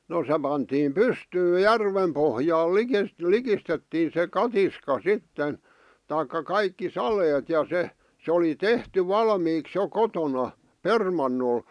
no se pantiin pystyyn järven pohjalle - likistettiin se katiska sitten tai kaikki saleet ja se se oli tehty valmiiksi jo kotona permannolla